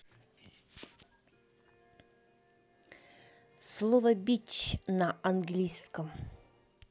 слово бич на английском